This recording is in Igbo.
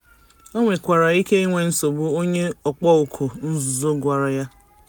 O nwekwara ike inwe nsogbu, onye ọkpọọ oku nzuzo gwara ya.